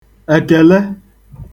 èkèle